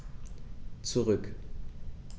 Zurück.